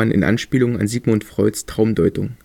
in Anspielung an Sigmund Freuds Traumdeutung